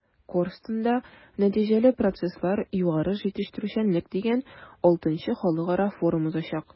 “корстон”да “нәтиҗәле процесслар-югары җитештерүчәнлек” дигән vι халыкара форум узачак.